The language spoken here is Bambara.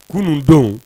Kunundon